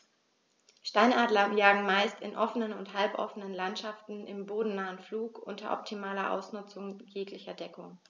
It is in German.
Steinadler jagen meist in offenen oder halboffenen Landschaften im bodennahen Flug unter optimaler Ausnutzung jeglicher Deckung.